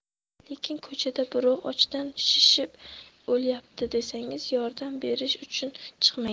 lekin ko'chada birov ochdan shishib o'lyapti desangiz yordam berish uchun chiqmaydi